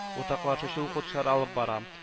Уртаклашучы укытучылар алып бара